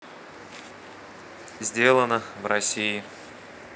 сделано в россии